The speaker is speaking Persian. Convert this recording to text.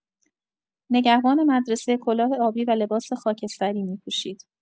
نگهبان مدرسه کلاه آبی و لباس خاکستری می‌پوشید.